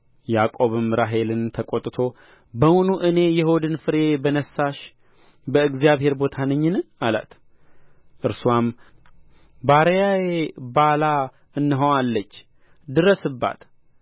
ያዕቆብም ራሔልን ተቆጥቶ በውኑ እኔ የሆድን ፍሬ በነሣሽ በእግዚአብሔር ቦታ ነኝን አላት እርስዋም ባሪያዬ ባላ እነሆ አለች ድረስባት